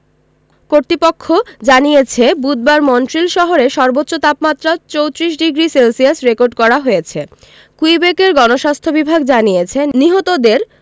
কর্তৃপক্ষ জানিয়েছে বুধবার মন্ট্রিল শহরে সর্বোচ্চ তাপমাত্রা ৩৪ ডিগ্রি সেলসিয়াস রেকর্ড করা হয়েছে কুইবেকের গণস্বাস্থ্য বিভাগ জানিয়েছে নিহতদের